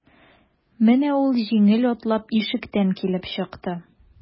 Менә ул җиңел атлап ишектән килеп чыкты.